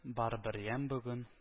Бар бер ямь бүген